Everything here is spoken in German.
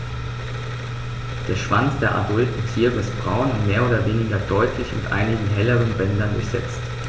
Der Schwanz der adulten Tiere ist braun und mehr oder weniger deutlich mit einigen helleren Bändern durchsetzt.